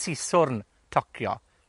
Siswrn tocio.